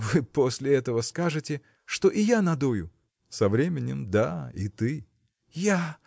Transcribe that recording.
– Вы после этого скажете, что и я надую? – Со временем – да, и ты. – Я!